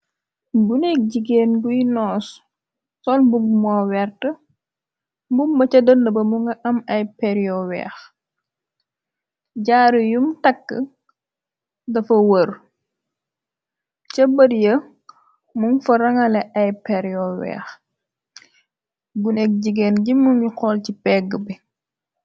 Bunek jigeen buyi noos, sol mbubu moo wert , mbum ba ca dënd ba mu nga am ay perio weex, jaaru yum tàkka dafa wër , ca bërye mum fa rangale ay perio weex, gu nek jigeen gi mu ni xol ci pegg bi.